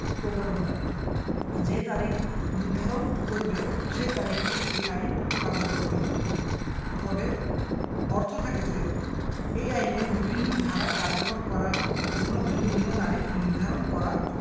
যে তারিখ নির্ধারণ করিবে সেই তারিখে এই আইন কার্যকর হইবে তবে অর্থ থাকে যে এই আইনের বিভিন্ন ধারা কার্যকর করার জন্য ভিন্ন ভিন্ন তারিখ নির্ধারণ করা